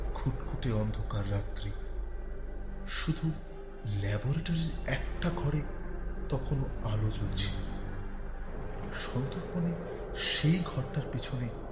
ঘুটঘুটে অন্ধকার রাত্রি শুধু ল্যাবরেটরির একটা ঘরে তখনো আলো জ্বলছে সন্তর্পনে সেই ঘরের পিছনে